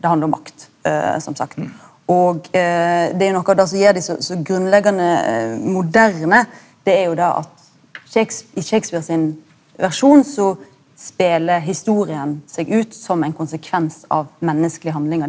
det handlar om makt som sagt og det er jo noko av det som gjer dei så så grunnleggande moderne det er jo det at i Shakespeare sin versjon so speler historia seg ut som ein konsekvens av menneskelege handlingar.